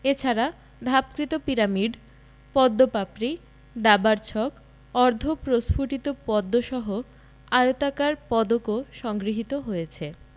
এছাড়া ধাপকৃত পিরামিড পদ্ম পাপড়ি দাবার ছক অর্ধপ্রস্ফুটিতপদ্মসহ আয়তাকার পদকও সংগৃহীত হয়েছে